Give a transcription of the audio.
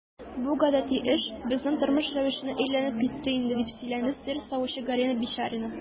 Бу гадәти эш, безнең тормыш рәвешенә әйләнеп китте инде, - дип сөйләде сыер савучы Галина Бичарина.